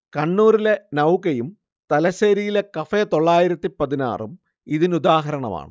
കണ്ണൂരിലെ നൗകയും തലശ്ശേരിയിലെ കഫേ തൊള്ളായിരത്തപ്പതിനാറും ഇതിനുദാഹരണമാണ്